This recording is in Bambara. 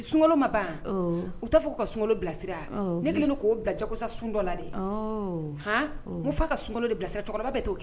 Sunlo ma ban u' fɔ' ka sun bilasira ne k'o bila jagosa sun dɔ la de hɔn n fa ka sun de bilasira cɛkɔrɔba bɛ to yen